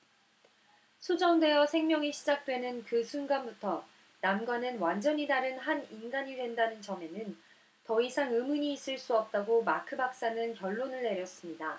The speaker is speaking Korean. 수정되어 생명이 시작되는 그 순간부터 남과는 완전히 다른 한 인간이 된다는 점에는 더 이상 의문이 있을 수 없다고 마크 박사는 결론을 내렸습니다